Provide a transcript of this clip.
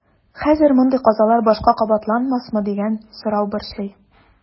Хәзер мондый казалар башка кабатланмасмы дигән сорау борчый.